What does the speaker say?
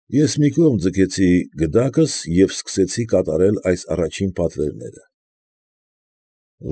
Ես մի կողմ ձգեցի գդակս և սկսեցի կատարել այս առաջին պատվերը։